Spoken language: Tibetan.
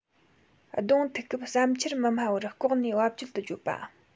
གདོང ཐུག སྐབས བསམ འཆར མི སྨྲ བར ལྐོག ནས བབ ཅོལ དུ བརྗོད པ